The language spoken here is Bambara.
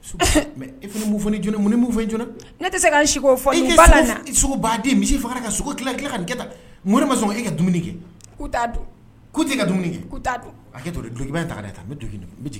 E n tɛ se k' si fɔ sogo'den misi faga ka sogo kila ka nin ta m ma sɔn e ka dumuni kɛ ku t'a tɛ ka dumuni kɛ a duguba ta